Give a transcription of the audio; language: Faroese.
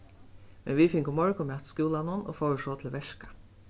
men vit fingu morgunmat í skúlanum og fóru so til verka